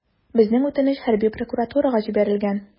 Безнең үтенеч хәрби прокуратурага җибәрелгән.